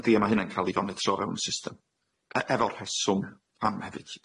Yndi a ma' hynna'n ca'l i foitro o fewn y system e- efo rheswm am hefyd.